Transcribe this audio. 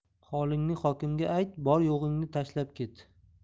holingni hokimga ayt bor yo'g'ingni tashlab ket